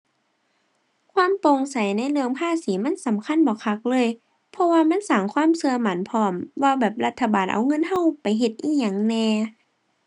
ความโปร่งใสในเรื่องภาษีมันสำคัญบักคักเลย เพราะว่ามันสร้างความเชื่อมั่นพร้อม ว่าแบบรัฐบาลเอาเงินเชื่อไปเฮ็ดอิหยังแหน่